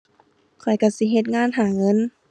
ข้อยก็สิเฮ็ดงานหาเงิน